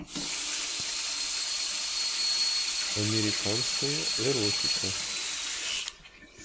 американская эротика